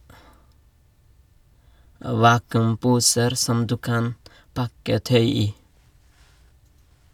- Vakuumposer som du kan pakke tøy i.